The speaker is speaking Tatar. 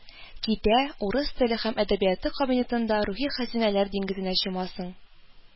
Китә, урыс теле һәм әдәбияты кабинетында рухи хәзинәләр диңгезенә чумасың